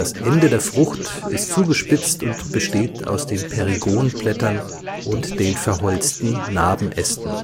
Ende der Frucht ist zugespitzt und besteht aus den Perigonblättern und den verholzten Narbenästen